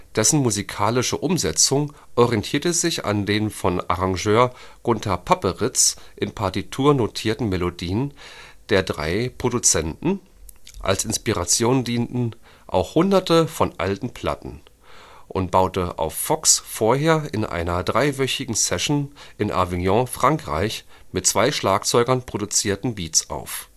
Dessen musikalische Umsetzung orientierte sich an den vom Arrangeur Gunter Papperitz in Partitur notierten Melodien der drei Produzenten – als Inspiration dienten „ auch hunderte von alten Platten “– und baute auf Fox ' vorher in einer dreiwöchigen Session in Avignon (Frankreich) mit zwei Schlagzeugern produzierten Beats auf